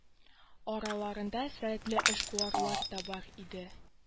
Араларында сәләтле эшкуарлар да бар иде